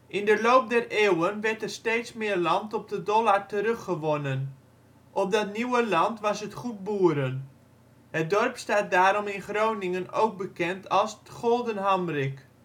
In de loop der eeuwen werd er steeds meer land op de Dollard teruggewonnen. Op dat nieuwe land was het goed boeren. Het dorp staat daarom in Groningen ook bekend als ' t Golden Hamrik